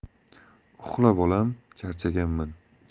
uxla bolam charchaganman